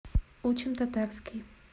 учим татарский